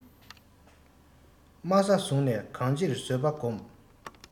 དམའ ས བཟུང ནས གང ཅིར བཟོད པ སྒོམ